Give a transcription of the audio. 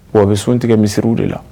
Wa a bɛ sun tigɛ misiw de la